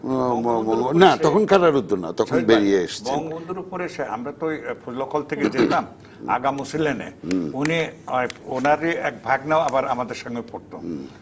না তখন কারারুদ্ধ না তখন বেরিয়ে এসেছেন বঙ্গবন্ধুর উপরে সে আমরা তো ওই লোকাল থেকে যেতাম আগামসি লেনে উনি ওনার এক ভাগনা আবার আমাদের সঙ্গে পড়তো